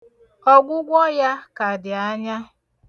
Ọgwụgwọ ya ka dị anya.